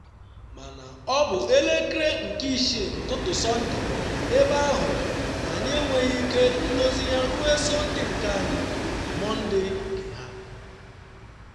“Mana ọ bụ elekere nke isii n’ụtụtụ Sọnde ebe ahụ na anyị enweghị ike idozi ya ruo Sọnde nke anyị, Mọnde nke ha.